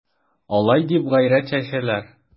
Алай дип гайрәт чәчәләр...